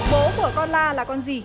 bố của con la là con gì